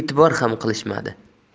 etibor ham qilishmadi